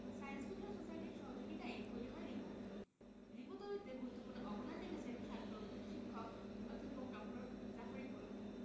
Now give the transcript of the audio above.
science fiction সোসাইটির সহযোগিতায়ই তৈরি হয় রিবো রিবো তৈরিতে গুরুত্বপূর্ণ অবদান রেখেছেন শাবিপ্রবির শিক্ষক অধ্যাপক ড জাফর ইকবাল